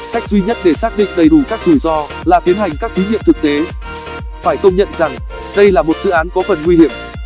cách duy nhất để xác định đầy đủ các rủi ro là tiến hành các thí nghiệm thực tế phải công nhận rằng đây là một dự án có phần nguy hiểm